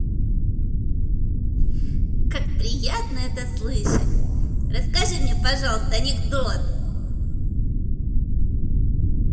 как приятно это слышать расскажи мне пожалуйста анекдот